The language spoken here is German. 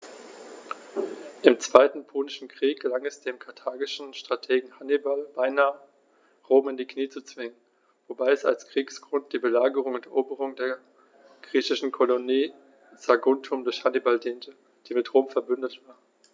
Im Zweiten Punischen Krieg gelang es dem karthagischen Strategen Hannibal beinahe, Rom in die Knie zu zwingen, wobei als Kriegsgrund die Belagerung und Eroberung der griechischen Kolonie Saguntum durch Hannibal diente, die mit Rom „verbündet“ war.